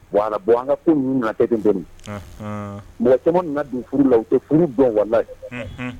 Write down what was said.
Wabɔ an ka ko ninnu na tɛ duuru mɔgɔ caman min na don furu la u tɛ furu dɔn walanyi